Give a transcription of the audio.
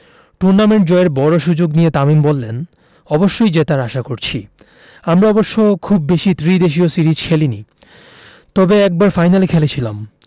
tournament জয়ের বড় সুযোগ নিয়ে তামিম বললেন অবশ্যই জেতার আশা করছি আমরা অবশ্য খুব বেশি ত্রিদেশীয় সিরিজ খেলেনি তবে একবার ফাইনাল খেলেছিলাম